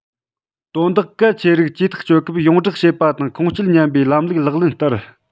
དོན དག གལ ཆེ རིགས ཇུས ཐག གཅོད སྐབས ཡོངས བསྒྲགས བྱེད པ དང ཁུངས སྐྱེལ ཉན པའི ལམ ལུགས ལག ལེན བསྟར